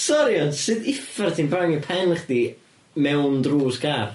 Sori, ond sut uffar ti'n bangio pen chdi mewn drws car?